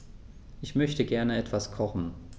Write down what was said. Ich möchte gerne etwas kochen.